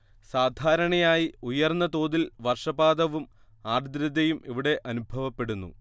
സാധാരണയായി ഉയർന്ന തോതിൽ വർഷപാതവും ആർദ്രതയും ഇവിടെ അനുഭവപ്പെടുന്നു